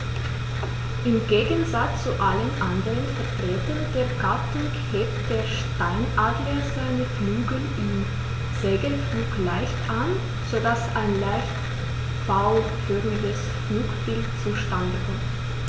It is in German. Im Gegensatz zu allen anderen Vertretern der Gattung hebt der Steinadler seine Flügel im Segelflug leicht an, so dass ein leicht V-förmiges Flugbild zustande kommt.